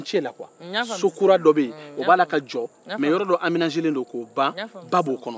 so kura dɔ bɛ yen o b'a la ka jɔ nka yɔrɔ dɔ labɛnnen bɛ yen ba b'o kɔnɔ